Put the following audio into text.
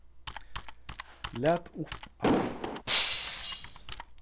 lat upp app